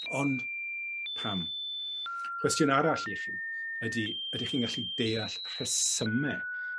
Omd pam? Cwestiwn arall i chi ydi ydych chi'n gallu deall rhesyme